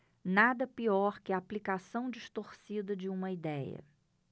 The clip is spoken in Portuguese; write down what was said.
nada pior que a aplicação distorcida de uma idéia